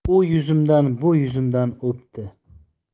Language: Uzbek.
u yuzimdan bu yuzimdan o'pdi